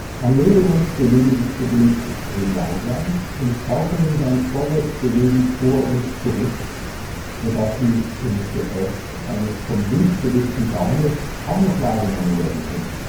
Chamäleons bewegen sich zudem extrem langsam und schaukeln beim Vorwärtsbewegen vor und zurück, so dass sie im Geäst eines vom Wind bewegten Baumes kaum noch wahrgenommen werden können